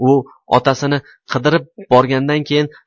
u otasini qidirib borgandan keyin